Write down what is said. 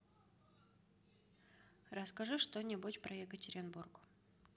расскажи что нибудь про екатеринбург